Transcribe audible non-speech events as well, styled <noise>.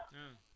<hesitation>